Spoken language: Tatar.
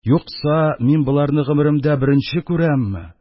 Юкса, мин боларны гомеремдә беренче күрәмме?